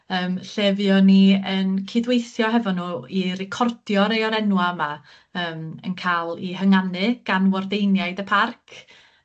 yym lle fuon ni yn cydweithio hefo nw i recordio rei o'r enwa' yma yym yn ca'l 'u hynganu gan wardeiniaid y parc.